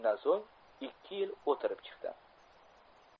uzuqboy shundan so'ng ikki yil o'tirib chiqdi